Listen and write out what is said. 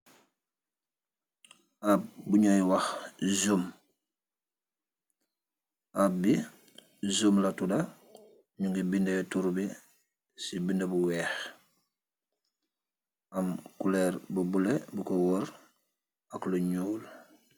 App bu njoi wakh zoom, app bii zoom la tuda, njungy bindeh turr bi ci binda bu wekh, am couleur bu bleu bukor wohrre ak lu njull.